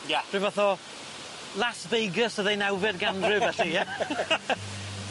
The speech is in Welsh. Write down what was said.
Ia. Rhyw fath o Las Vegas y ddeunawfed ganrif felly ie?